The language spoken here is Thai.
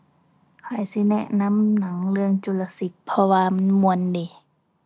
ข้อยสิแนะนำหนังเรื่องจูราสสิค เพราะว่ามันม่วนดี